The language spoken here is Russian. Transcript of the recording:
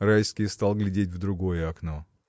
Райский стал глядеть в другое окно.